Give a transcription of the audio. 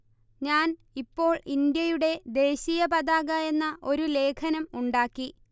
ഞാൻ ഇപ്പോൾ ഇന്ത്യയുടെ ദേശീയ പതാക എന്ന ഒരു ലേഖനം ഉണ്ടാക്കി